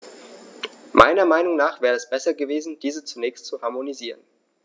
Meiner Meinung nach wäre es besser gewesen, diese zunächst zu harmonisieren.